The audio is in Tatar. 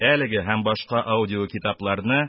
Әлеге һәм башка аудиокитапларны